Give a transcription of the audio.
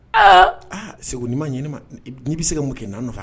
Aa aa segu n' ma ɲ ma n'i bɛ se ka mun kɛ na nɔfɛ